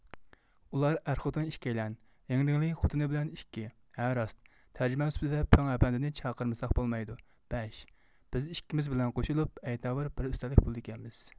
ئۇلار ئەر خوتۇن ئىككىيلەن ھېڭدېلى خوتۇنى بىلەن ئىككى ھەر راست تەرجىمان سۈپىتىدە پېڭ ئەپەندىنى چاقىرمىساق بولمايدۇ بەش بىز ئىككىمىز بىلەن قوشۇلۇپ ئەيتاۋۇر بىر ئۈستەللىك بولىدىكەنمىز